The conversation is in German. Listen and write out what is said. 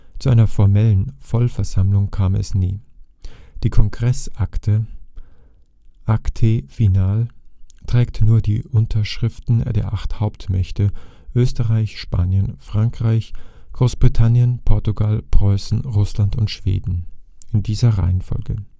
Zu einer formellen Vollversammlung kam es nie. Die Kongressakte (Acte final) trägt nur die Unterschriften der acht Hauptmächte Österreich, Spanien, Frankreich, Großbritannien, Portugal, Preußen, Russland und Schweden (in dieser Reihenfolge